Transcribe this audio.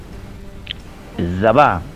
Nsaban